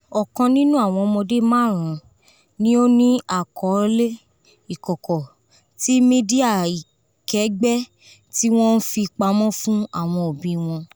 Ọkan nínú awọn ọmọde máàrún ni o ni akọọlẹ ikọkọ ti midia ikẹgbẹ ti wọn n fi pamọ fun awọn obi wọn